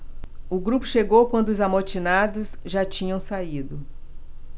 o grupo chegou quando os amotinados já tinham saído